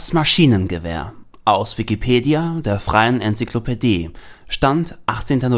Maschinengewehr, aus Wikipedia, der freien Enzyklopädie. Mit dem Stand vom Der